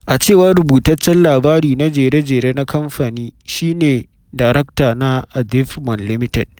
A cewar rubutaccen labari na jere-jere na kamfani, shi ne darakta na Adriftmorn Limited.